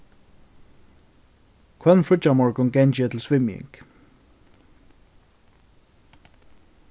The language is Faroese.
hvønn fríggjamorgun gangi eg til svimjing